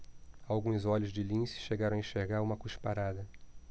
alguns olhos de lince chegaram a enxergar uma cusparada